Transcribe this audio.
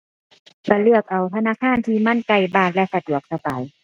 จะเลือกเอาธนาคารที่มันใกล้บ้านและสะดวกสบาย